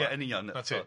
ia yn union. 'Na ti.